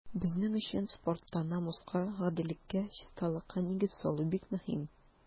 Безнең өчен спортта намуска, гаделлеккә, чисталыкка нигез салу бик мөһим.